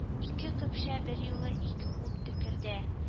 Ике көпшә берьюлы ике ут төкерде